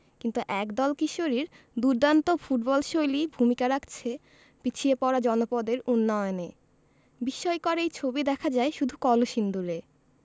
কিন্তু একদল কিশোরীর দুর্দান্ত ফুটবলশৈলী ভূমিকা রাখছে পিছিয়ে পড়া জনপদের উন্নয়নে বিস্ময়কর এই ছবি দেখা যায় শুধু কলসিন্দুরে